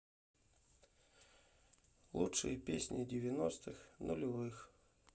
лучшие песни девяностых нулевых